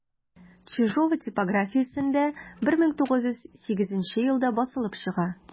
Чижова типографиясендә 1908 елда басылып чыга.